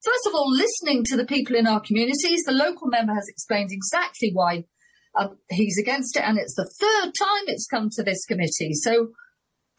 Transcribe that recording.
First of all listening to the people in our communities, the local member has explained exactly why he's against it and it's the third time it's come to this committee.